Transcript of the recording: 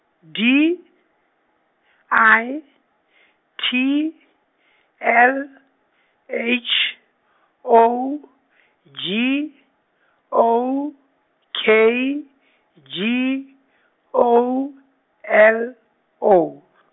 D, I , T , L, H, O , G, O, K, G, O, L, O .